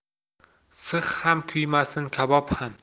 six ham kuymasin kabob ham